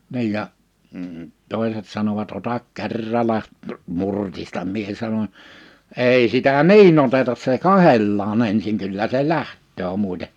niin ja - toiset sanovat ota kerralla murtista minä sanon ei sitä niin oteta se katsellaan ensin kyllä se lähtee muuten